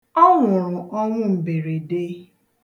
Ọ nwụrụ ọnwụ mberede.